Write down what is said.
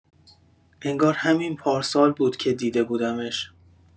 انگار همین پارسال بود که دیده بودمش.